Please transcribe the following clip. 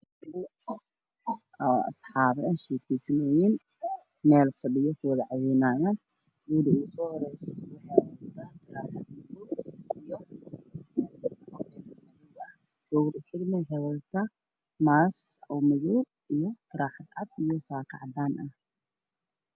Asxaabta I fiirsanayso meel fadhiyaan oo wada cawaynaayaan ooy ugu soo horayso farxiyo ,aamino oo qabto dirac cad iyo shako cadaan ah